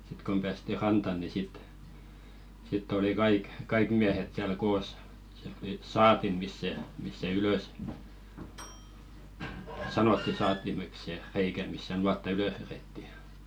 sitten kun päästiin rantaan niin sitten sitten oli kaikki kaikki miehet siellä koossa sieltä tuli saatin se missä se ylös sanottiin saattimeksi se reikä missä se nuotta ylös vedettiin